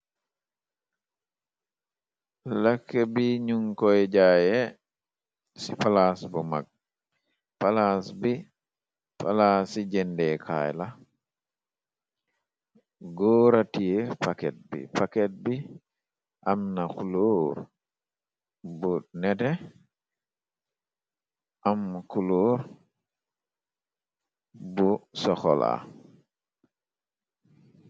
Lekke bi ñu koy jaaye ci palaas bu mag palaas bi palaas ci jëndee kaay la góoratie paket bi paket bi am na kulóor bu nete am kulóor bu soxola.